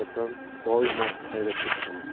mehnatdan doimo hayratga tushaman